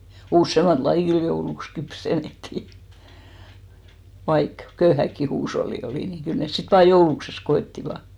useampaa lajia kyllä jouluksi kypsennettiin vaikka köyhäkin huusholli oli niin kyllä ne sitten van joulukseen koettivat